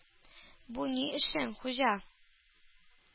— бу ни эшең, хуҗа?